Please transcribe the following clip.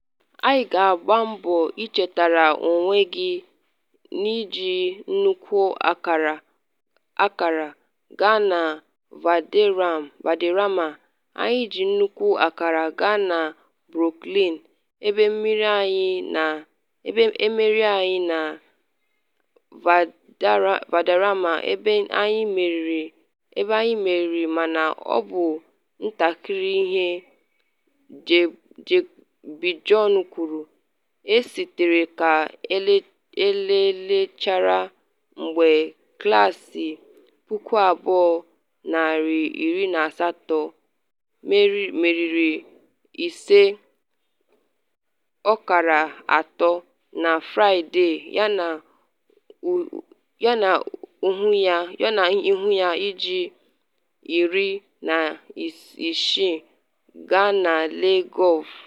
“Ị ga-agba mbọ ichetere onwe gị n’iji nnukwu akara aga na Valderrama; anyị ji nnukwu akara aga na Brookline, ebe emeriri anyi, na Valderrama ebe anyị meriri mana ọ bụ ntakịrị ihe,” Bjorn kwuru, esetere ka elelechara mgbe Klaasị 2018 meriri 5-3 na Fraịde yana ụnyahụ, iji 10-6 aga na Le Golf National.